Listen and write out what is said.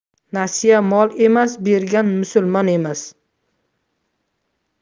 nasiya mol emas bergan musulmon emas